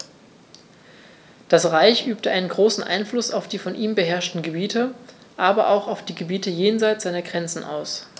Das Reich übte einen großen Einfluss auf die von ihm beherrschten Gebiete, aber auch auf die Gebiete jenseits seiner Grenzen aus.